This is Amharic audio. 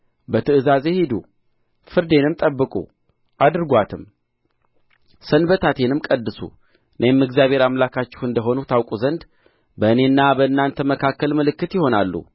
በትእዛዜ ሂዱ ፍርዴንም ጠብቁ አድርጓትም ሰንበታቴንም ቀድሱ እኔም እግዚአብሔር አምላካችሁ እንደ ሆንሁ ታውቁ ዘንድ በእኔና በእናንተ መካከል ምልክት ይሆናሉ